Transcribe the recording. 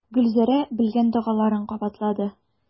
Гөлзәрә белгән догаларын кабатлады.